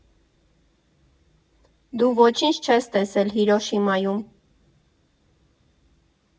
Դու ոչինչ չես տեսել Հիրոշիմայում։